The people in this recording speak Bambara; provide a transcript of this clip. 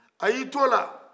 a y'i t'o la